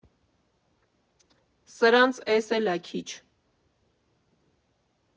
Սրանց էս էլ ա քիչ։